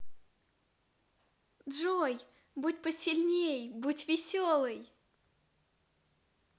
джой будь посильней будь веселой